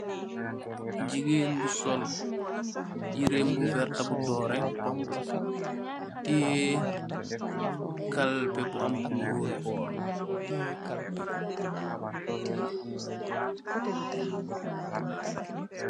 Jigen bu sol lu duree.